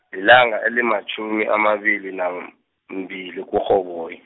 lilanga elimatjhumi amabili nam- mbili, kuRhoboyi.